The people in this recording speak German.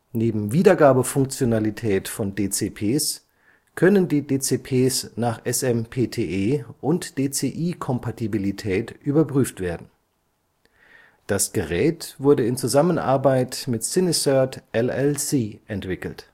Neben Wiedergabefunktionalität von DCPs können die DCPs nach SMPTE - und DCI-Kompatibilität überprüft werden. Das Gerät wurde in Zusammenarbeit mit Cinecert LLC entwickelt